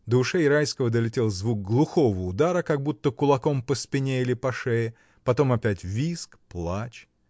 До ушей Райского долетел звук глухого удара, как будто кулаком по спине или по шее, потом опять визг, плач.